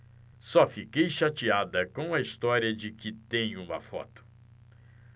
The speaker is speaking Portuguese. só fiquei chateada com a história de que tem uma foto